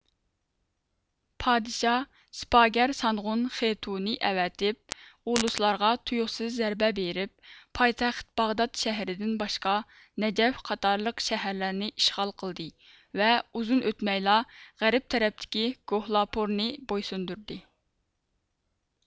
پادىشاھ سىپاگەر سانغۇن خېتۇنى ئەۋەتىپ ئۇلۇسلارغا تۇيۇقسىز زەربە بىرىپ پايتەخت باغدات شەھىرىدىن باشقا نەجەف قاتارلىق شەھەرلەرنى ئىشغال قىلدى ۋە ئۇزۇن ئۆتمەيلا غەرب تەرەپتىكى گوھلاپۇرنى بويسۇندۇردى